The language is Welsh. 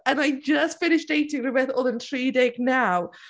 And I'd just finished dating rhywbeth oedd yn tri deg naw.